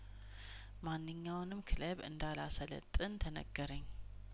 ማንኛውንም ክለብ እንዳላ ሰለጥን ተነገረኝ